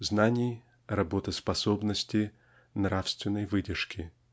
знаний, работоспособности, нравственной выдержки.